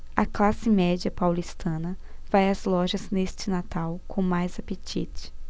a classe média paulistana vai às lojas neste natal com mais apetite